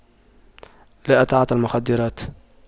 لا أتعاطى المخدرات